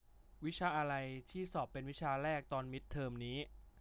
วิชาอะไรที่สอบเป็นวิชาแรกตอนมิดเทอมนี้